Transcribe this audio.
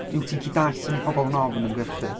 Neu wyt ti'n gallu dallt sut mae pobl yn ofn ymgyrchu?